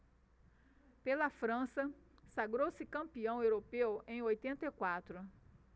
pela frança sagrou-se campeão europeu em oitenta e quatro